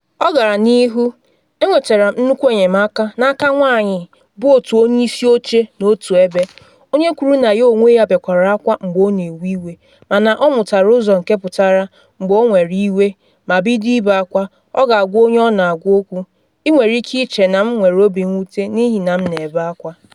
Ọ gara n’ihu, “Enwetara m nnukwu enyemaka n’aka nwanyị bụ otu onye isi oche n’otu ebe, onye kwuru na ya onwe ya bekwara akwa mgbe ọ na ewe iwe, mana ọ mụtara ụzọ nke pụtara mgbe ọ were iwe ma bido ịbe akwa, ọ ga-agwa onye ọ na agwa okwu, “Ị nwere ike ịche na m nwere obi mwute n’ihi na m na ebe akwa.